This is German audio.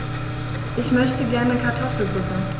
Ich möchte gerne Kartoffelsuppe.